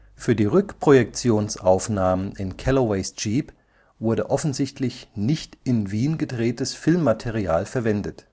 Für die Rückprojektionsaufnahmen in Calloways Jeep wurde offensichtlich nicht in Wien gedrehtes Filmmaterial verwendet